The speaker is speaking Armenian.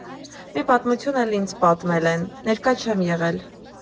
Մի պատմություն էլ ինձ պատմել են, ներկա չեմ եղել։